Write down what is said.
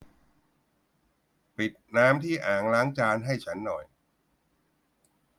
ปิดน้ำที่อ่างล้างจานให้ฉันหน่อย